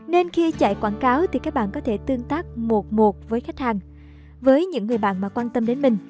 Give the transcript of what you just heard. nên khi chạy quảng cáo thì các bạn có thể tương tác với khách hàng với những người bạn mà quan tâm đến mình